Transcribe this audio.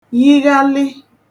yighalị